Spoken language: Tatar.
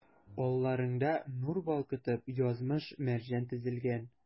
Алларыңда, нур балкытып, язмыш-мәрҗән тезелгән.